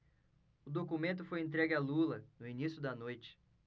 o documento foi entregue a lula no início da noite